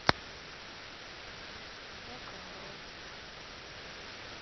рок н ролл